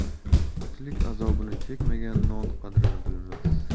ochlik azobini chekmagan non qadrini bilmas